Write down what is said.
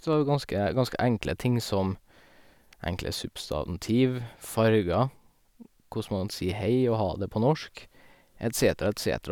Det var jo ganske ganske enkle ting, som enkle substantiv, farger, koss man sier hei og hadet på norsk, et cetera et cetera.